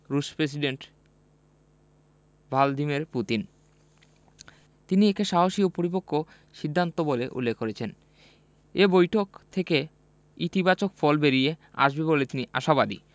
রুশ president Vladimir Putin তিনি একে সাহসী ও পরিপক্ব সিদ্ধান্ত বলে উল্লেখ করেছেন এ বৈঠক থেকে ইতিবাচক ফল বেরিয়ে আসবে বলে তিনি আশাবাদী